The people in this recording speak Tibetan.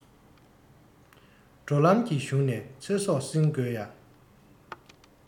འགྲོ ལམ གྱི གཞུང ནས ཚེ སྲོག བསྲིང དགོས ཡ